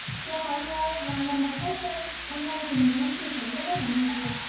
chào mọi người và mình là catti hôm nay mình muốn chia sẽ cho các bạn một việc